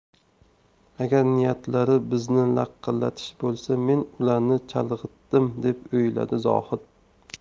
agar niyatlari bizni laqillatish bo'lsa men ularni chalg'itdim deb o'yladi zohid